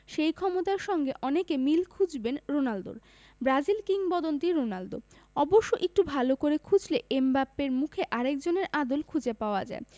সেই ক্ষমতার সঙ্গে অনেকে মিল খুঁজবেন রোনালদোর ব্রাজিল কিংবদন্তি রোনালদো অবশ্য একটু ভালো করে খুঁজলে এমবাপ্পের মুখে আরেকজনের আদল খুঁজে পাওয়া যায়